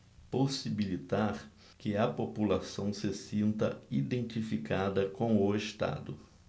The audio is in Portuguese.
possibilitar que a população se sinta identificada com o estado